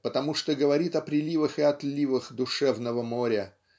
потому что говорит о приливах и отливах душевного моря